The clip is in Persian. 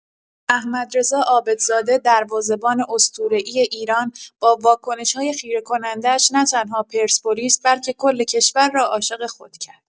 احمدرضا عابدزاده، دروازه‌بان اسطوره‌ای ایران، با واکنش‌های خیره‌کننده‌اش نه‌تنها پرسپولیس، بلکه کل کشور را عاشق خود کرد.